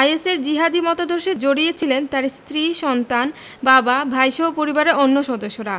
আইএসের জিহাদি মতাদর্শে জড়িয়েছেন তাঁর স্ত্রী সন্তান বাবা ভাইসহ পরিবারের অন্য সদস্যরা